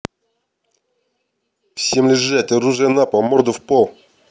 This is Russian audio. всем лежать оружие на пол мордой в пол